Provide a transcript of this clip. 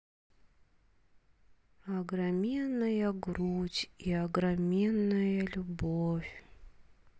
огроменная грудь и огроменная любовь